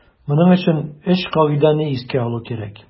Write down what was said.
Моның өчен өч кагыйдәне исәпкә алу кирәк.